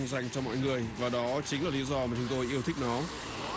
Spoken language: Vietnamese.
dành cho mọi người và đó chính là lý do mà chúng tôi yêu thích nó